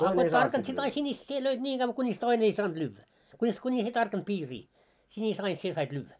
a kun et tarkannut sitten ai sinis sinä löit niin kauan kunis toinen ei saanut lyödä kunis kunis ei tarkannut piiriä siinä aina sinä sait lyödä